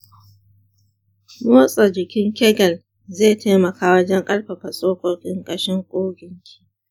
motsa jikin kegel zai taimaka wajen ƙarfafa tsokokin ƙashin ƙugunki.